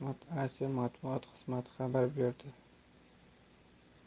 matbuot xizmati xabar berdi